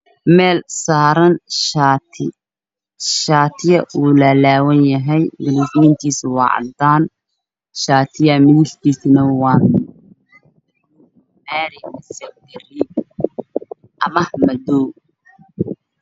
Meeshaan waxaa saaran shaati laalaaban kuguusmankiisu waa cadaan, midabkiisu waa madow.